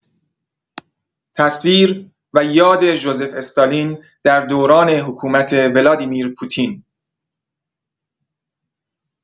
تصویر و یاد ژوزف استالین در دوران حکومت ولادیمیر پوتین